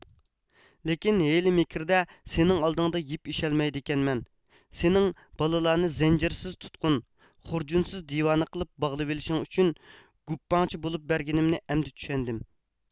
لېكىن ھىيلە مىكىردە سېنىڭ ئالدىڭدا يىپ ئېشەلمەيدىكەنمەن سېنىڭ بالىلارنى زەنجىرسىز تۇتقۇن خۇرجۇنسىز دىۋانە قىلىپ باغلىۋېلىشىڭ ئۈچۈن گۇپپاڭچى بولۇپ بەرگىنىمنى ئەمدى چۈشەندىم